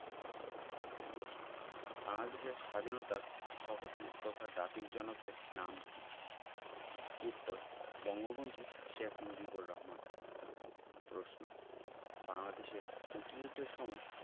প্রশ্ন বাংলাদেশের স্বাধীনতার স্থপতি তথা জাতির জনকের নাম কী উত্তর বঙ্গবন্ধু শেখ মুজিবুর রহমান প্রশ্ন বাংলাদেশের মুক্তিযুদ্ধের সময়